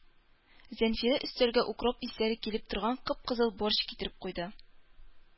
Зәнфирә өстәлгә укроп исләре килеп торган кып-кызыл борщ китереп куйды.